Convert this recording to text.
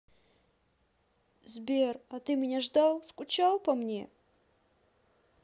сбер а ты меня ждал скучал по мне